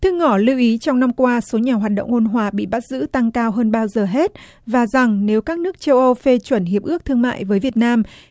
thư ngỏ lưu ý trong năm qua số nhà hoạt động ôn hòa bị bắt giữ tăng cao hơn bao giờ hết và rằng nếu các nước châu âu phê chuẩn hiệp ước thương mại với việt nam